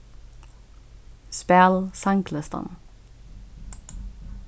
spæl sanglistan